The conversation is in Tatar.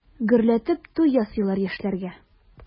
Гөрләтеп туй ясыйлар яшьләргә.